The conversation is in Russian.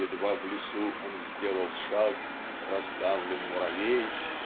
"едва в лесу он сделал шаг раздавлен муравей"